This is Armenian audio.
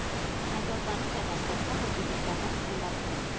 Այդ օրվանից էլ հասկացա, որ պիտի զբաղվեմ ստենդափով։